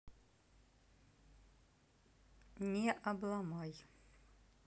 не обламай